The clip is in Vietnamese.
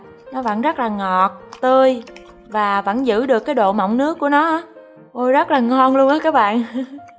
nó vẫn rất là ngọt tươi và vẫn giữ được cái độ mọng nước của nó á ôi rất là ngon luôn á các bạn